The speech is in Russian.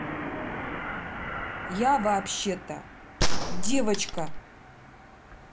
я вообще то девочка